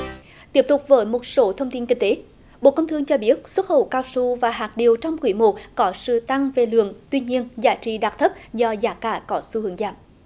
tiếp tục với một số thông tin kinh tế bộ công thương cho biết xuất khẩu cao su và hạt điều trong quý một có sự tăng về lượng tuy nhiên giá trị đạt thấp do giá cả có xu hướng giảm